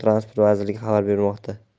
transport vazirligi xabar bermoqda